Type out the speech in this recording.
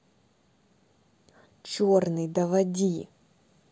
черный доводи